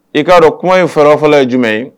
I k'a dɔn kuma in fɛrɛfɔlɔ ye jumɛn ye